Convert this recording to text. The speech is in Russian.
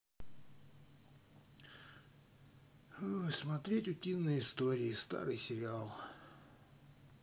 смотреть утиные истории старый сериал